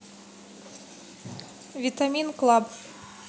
витамин клаб